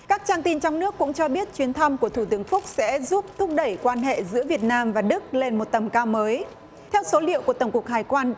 các trang tin trong nước cũng cho biết chuyến thăm của thủ tướng phúc sẽ giúp thúc đẩy quan hệ giữa việt nam và đức lên một tầm cao mới theo số liệu của tổng cục hải quan